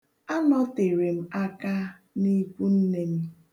Anọtere m aka n'ikwunne m.